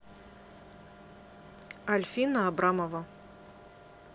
альфина абрамова